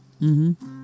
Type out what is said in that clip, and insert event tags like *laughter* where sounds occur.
*hesitation* *hesitation*